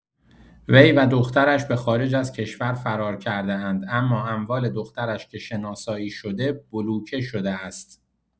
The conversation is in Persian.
وی و دخترش به خارج از کشور فرار کرده‌اند اما اموال دخترش که شناسایی‌شده، بلوکه شده است.